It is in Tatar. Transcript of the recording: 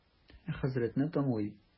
Хәзрәтне тыңлый.